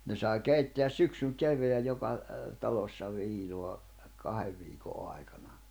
ne sai keittää syksyn kevään joka talossa viinaa kahden viikon aikana